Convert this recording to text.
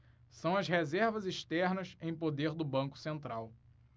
são as reservas externas em poder do banco central